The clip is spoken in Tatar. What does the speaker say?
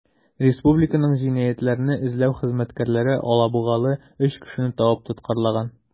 Республиканың җинаятьләрне эзләү хезмәткәрләре алабугалы 3 кешене табып тоткарлаган.